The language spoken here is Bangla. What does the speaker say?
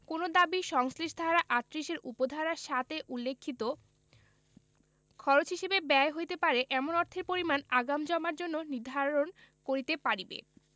কোন দাবীর সংশ্লেষ ধারা ৩৮ এর উপ ধারা ৭ এর উল্লিখিত খরচ হিসাবে ব্যয় হইতে পারে এমন অর্থের পরিমাণ আগাম জমার জন্য নির্ধারণ করিতে পারিবে